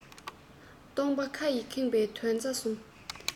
སྟོང པ ཁ ཡིས ཁེངས པའི དོན རྩ བཟུང